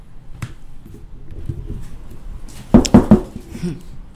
Sanunɛgɛnin yo